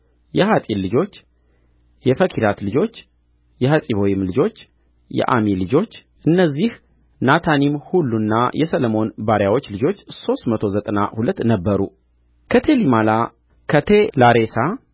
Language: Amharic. የሐጢል ልጆች የፈክራት ልጆች የሐፂቦይም ልጆች የአሚ ልጆች እነዚህ ናታኒም ሁሉና የሰሎሞን ባሪያዎች ልጆች ሦስት መቶ ዘጠና ሁለት ነበሩ ከቴልሜላ ከቴላሬሳ